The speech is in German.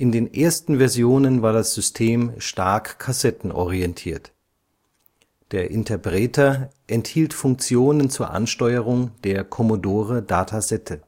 den ersten Versionen war das System stark kassettenorientiert. Der Interpreter enthielt Funktionen zur Ansteuerung der „ Commodore Datassette